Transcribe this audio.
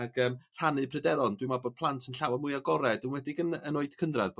ag yym rhannu pryderon. Dwi me'wl bod plant yn llawer mwy agored enwedig yn yn oed cynradd bo'